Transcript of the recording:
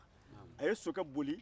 a ye sokɛ boli